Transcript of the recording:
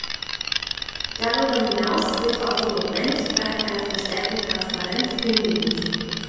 Darüber hinaus wird auf die Notwendigkeit einer verstärkten Transparenz hingewiesen.